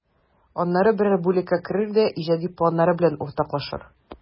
Аннары берәр бүлеккә керер дә иҗади планнары белән уртаклашыр.